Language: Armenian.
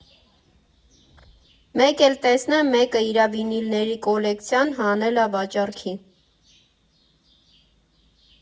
Մեկ էլ տեսնեմ մեկը իրա վինիլների կոլեկցիան հանել ա վաճառքի։